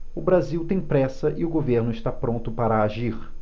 o brasil tem pressa e o governo está pronto para agir